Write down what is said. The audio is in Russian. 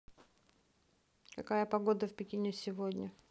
какая погода в пекине сегодня